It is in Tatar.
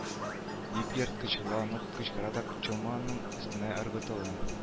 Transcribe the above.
Дип ерткычланып кычкыра да чалманың өстенә ыргытыла